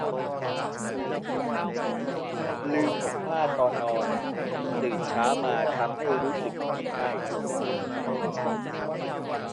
ลืมห่มผ้าตอนนอนตื่นเช้ามาทำให้รู้สึกมาไข้